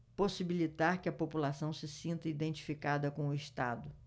possibilitar que a população se sinta identificada com o estado